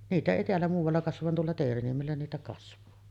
niitä ei täällä muualla kasva vaan tuolla Teeriniemellä niitä kasvaa